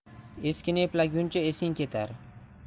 eskini eplaguncha esing ketar